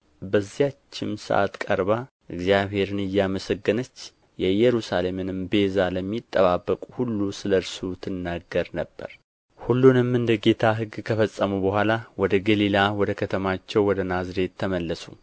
በዚያችም ሰዓት ቀርባ እግዚአብሔርን አመሰገነች የኢየሩሳሌምንም ቤዛ ለሚጠባበቁ ሁሉ ስለ እርሱ ትናገር ነበር ሁሉንም እንደ ጌታ ሕግ ከፈጸሙ በኋላ ወደ ገሊላ ወደ ከተማቸው ወደ ናዝሬት ተመለሱ